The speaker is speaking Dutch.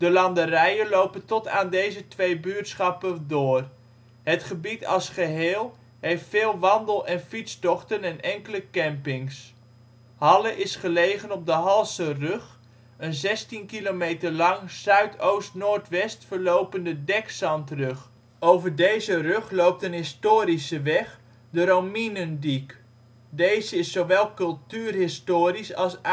landerijen lopen tot aan deze twee buurtschappen door. Het gebied als geheel heeft veel wandel - en fietstochten en enkele campings. Halle is gelegen op de Halserug, een 16 km lange zuidoost-noordwest verlopende dekzandrug. Over deze rug loopt een historische weg, de Romienendiek. Deze is zowel cultuurhistorisch als